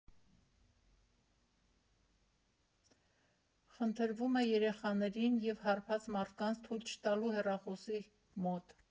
Խնդրվում է երեխաներին և հարբած մարդկանց թույլ չտալու հեռախոսի մոտ։